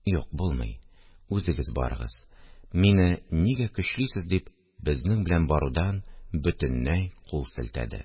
– юк, булмый, үзегез барыгыз, мине нигә көчлисез, – дип, безнең белән барудан бөтенләй кул селтәде